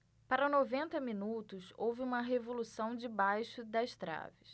para noventa minutos houve uma revolução debaixo das traves